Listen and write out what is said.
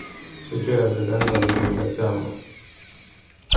so gera vit eitt endaligt upplegg saman